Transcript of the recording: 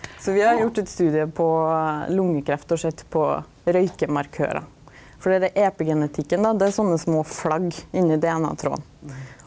så vi har gjort eit studie på lungekreft og sett på røykemarkørar fordi det epigenetikken då det er sånne små flagg inni DNA-tråden.